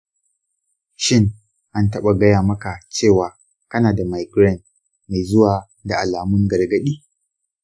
shin an taɓa gaya maka cewa kana da migraine mai zuwa da alamun gargaɗi ?